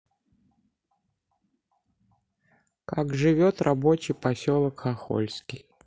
как живет рабочий поселок хохольский